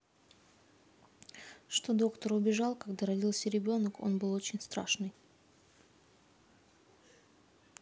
что доктор убежал когда родился ребенок он был очень страшный